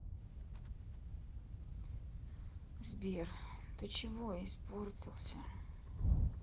сбер ты чего испортился